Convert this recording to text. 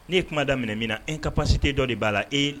Ne ye kuma da minɛ min na e ka pasite dɔ de b'a la e